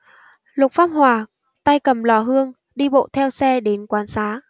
lục pháp hòa tay cầm lò hương đi bộ theo xe đến quán xá